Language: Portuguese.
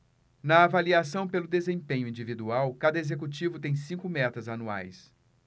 na avaliação pelo desempenho individual cada executivo tem cinco metas anuais